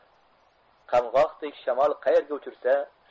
qamg'oqdek shamol qaerga uchirsa